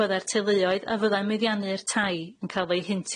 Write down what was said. bydde'r teuluoedd a fyddai'n muddiannu'r tai yn ca'l eu